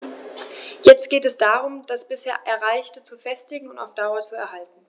Jetzt geht es darum, das bisher Erreichte zu festigen und auf Dauer zu erhalten.